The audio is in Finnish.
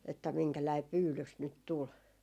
että minkälainen pyydys nyt tuli